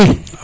o goor we